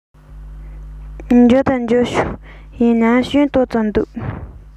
འབྱོར ད འབྱོར བྱུང ཡིན ནའི སྐྱོན ཏོག ཙམ འདུག